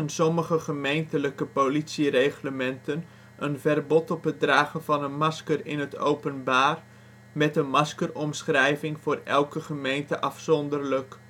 sommige gemeentelijke politiereglementen een verbod op het dragen van een masker in het openbaar, met een maskeromschrijving voor elke gemeente afzonderlijk